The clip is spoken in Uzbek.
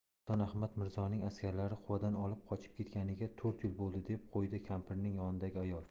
sulton ahmad mirzoning askarlari quvadan olib qochib ketganiga to'rt yil bo'ldi deb qo'ydi kampirning yonidagi ayol